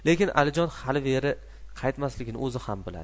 lekin alijon hali beri qaytmasligini o'zi ham biladi